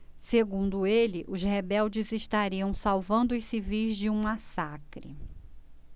segundo ele os rebeldes estariam salvando os civis de um massacre